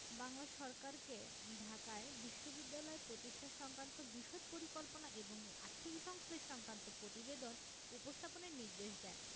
বাংলা সরকারকে ঢাকায় বিশ্ববিদ্যালয় প্রতিষ্ঠা সংক্রান্ত বিশদ পরিকল্পনা এবং এর আর্থিক সংশ্লেষ সংক্রান্ত প্রতিবেদন উপস্থাপনের নির্দেশ দেন